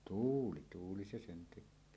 tuuli tuuli se sen tekee